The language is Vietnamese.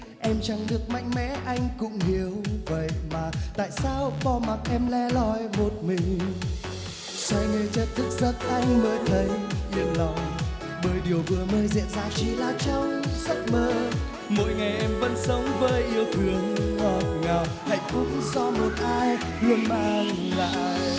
em chẳng được mạnh mẽ anh cũng hiểu vậy mà tại sao bỏ mặc em lẻ loi một mình xoay người chợt thức giấc anh mới thấy yên lòng bởi điều vừa mới diễn ra chỉ là trong giấc mơ mỗi ngày em vẫn sống với yêu thương ngọt ngào hạnh phúc do một ai luôn mang lại